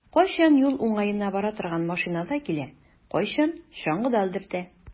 Кайчан юл уңаена бара торган машинада килә, кайчан чаңгыда элдертә.